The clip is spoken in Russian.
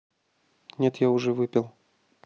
нет я уже выпил